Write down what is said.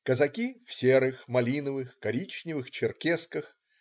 Казаки - в серых, малиновых, коричневых черкесках.